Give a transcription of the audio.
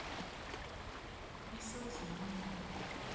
хорошо извини меня